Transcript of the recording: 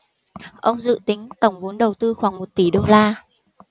ông dự tính tổng vốn đầu tư khoảng một tỷ đô la